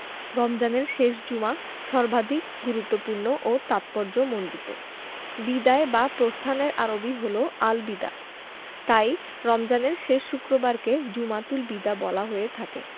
রমজানের শেষ জুমা সর্বাধিক গুরুত্বপূর্ণ ও তাৎপর্যমণ্ডিত বিদায় বা প্রস্থানের আরবি হলো আল বিদা তাই রমজানের শেষ শুক্রবারকে জুমাতুল বিদা বলা হয়ে থাকে